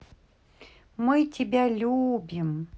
мы тебя любим